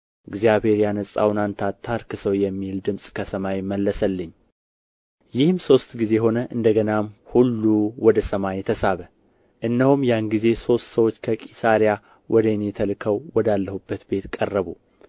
እግዚአብሔር ያነጻውን አንተ አታርክሰው የሚል ድምፅ ከሰማይ መለሰልኝ ይህም ሦስት ጊዜ ሆነ እንደ ገናም ሁሉ ወደ ሰማይ ተሳበ እነሆም ያን ጊዜ ሦስት ሰዎች ከቂሣርያ ወደ እኔ ተልከው ወዳለሁበት ቤት ቀረቡ